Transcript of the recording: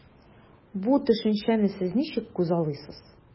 Бу төшенчәне сез ничек күзаллыйсыз?